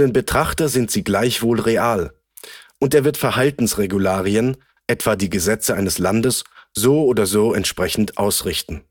Betrachter sind sie gleichwohl real, und er wird Verhaltens-Regularien, etwa die Gesetze eines Landes, so oder so entsprechend ausrichten